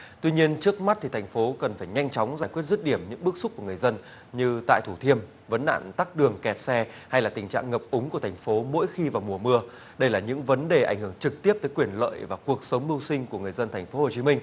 tuy nhiên trước mắt thì thành phố cần phải nhanh chóng giải quyết dứt điểm những bức xúc của người dân như tại thủ thiêm vấn nạn tắc đường kẹt xe hay là tình trạng ngập úng của thành phố mỗi khi vào mùa mưa đây là những vấn đề ảnh hưởng trực tiếp tới quyền lợi và cuộc sống mưu sinh của người dân thành phố hồ chí minh